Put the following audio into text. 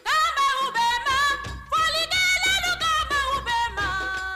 Den' bɛ fɛ wainɛ tɛ' bɛ fɛ